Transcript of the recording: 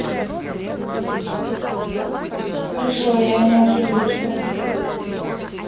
хорошо я не осужу тебя